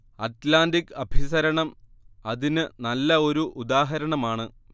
Atlantic അഭിസരണം അതിന് നല്ല ഒരു ഉദാഹരണമാണ്